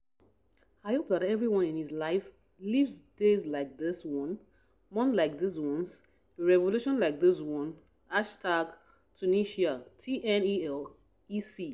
I hope that everyone in his life, lives days like this one, months like these ones, a revolution like this one #tunisia# tnelec